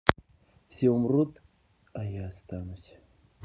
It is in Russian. все умрут а я останусь